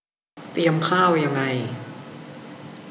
เตรียมข้าวยังไง